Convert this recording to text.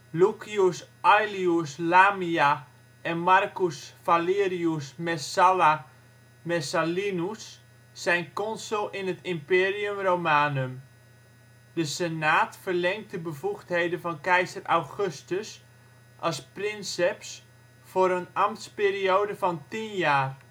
Lucius Aelius Lamia en Marcus Valerius Messalla Messallinus zijn consul in het Imperium Romanum. De Senaat verlengt de bevoegdheden van keizer Augustus als princeps voor een ambtsperiode van 10 jaar